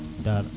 dara